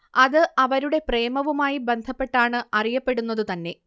അത് അവരുടെ പ്രേമവുമായി ബന്ധപ്പെട്ടാണ് അറിയപ്പെടുന്നതു തന്നെ